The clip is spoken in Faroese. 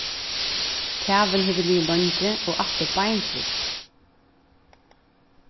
kavin hevur ligið leingi og alt er beinfryst